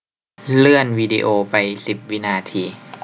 เลื่อนวีดีโอไปสิบวินาที